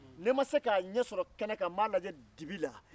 ni n ma se k'a ɲɛsɔrɔ kɛnɛ kan n b'a lajɛ dibi la